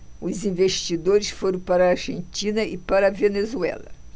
os investidores foram para a argentina e para a venezuela